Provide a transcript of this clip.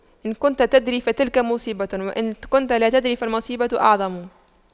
إذا كنت تدري فتلك مصيبة وإن كنت لا تدري فالمصيبة أعظم